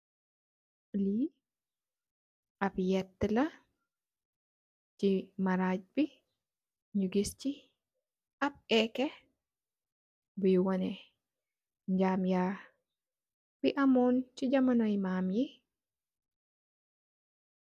Li ap yeta la si marag bi nyu giss si ap ekeh boi wonex jamya bi amun si jamo mam yi.